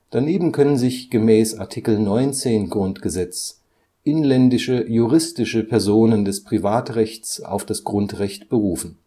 Daneben können sich gemäß Art. 19 GG inländische juristische Personen des Privatrechts auf das Grundrecht berufen